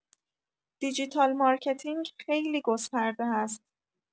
دیجیتال مارکتینگ خیلی گسترده هست.